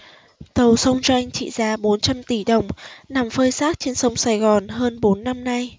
tàu sông gianh trị giá bốn trăm tỉ đồng nằm phơi xác trên sông sài gòn hơn bốn năm nay